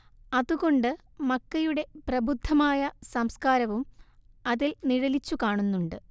അത് കൊണ്ട് മക്കയുടെ പ്രബുദ്ധമായ സംസ്കാരവും അതിൽ നിഴലിച്ചു കാണുന്നുണ്ട്